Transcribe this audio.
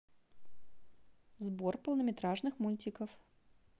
сбор полнометражных мультиков